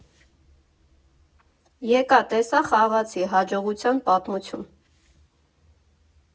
ԵԿԱ ՏԵՍԱ ԽԱՂԱՑԻ Հաջողության պատմություն։